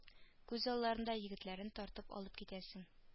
Күз алларында егетләрен тартып алып китәсең